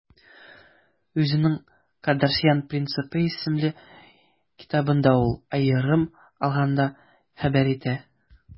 Үзенең «Кардашьян принципы» исемле китабында ул, аерым алганда, хәбәр итә: